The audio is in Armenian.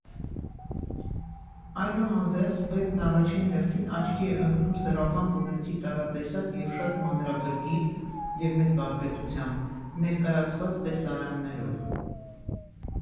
Այդուհանդերձ, վեպն առաջին հերթին աչքի է ընկնում սեռական բնույթի տարատեսակ և շատ մանրակրկիտ (և մեծ վարպետությամբ) ներկայացված տեսարաններով.